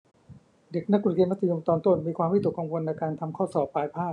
เด็กนักเรียนมัธยมตอนต้นมีความวิตกกังวลในการทำข้อสอบปลายภาค